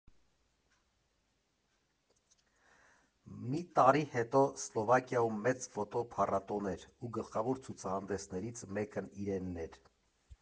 Մի տարի հետո Սլովակիայում մեծ ֆոտո փառատոն էր ու գլխավոր ցուցահանդեսներից մեկն իրենն էր։